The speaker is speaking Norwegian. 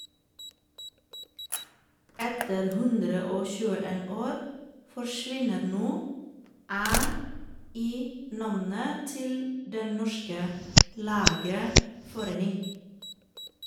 Etter 121 år forsvinner nå "æ" i navnet til Den norske lægeforening.